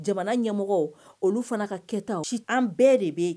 Jamana ɲɛmɔgɔ olu fana ka kɛta, ci an bɛɛ de bɛ yen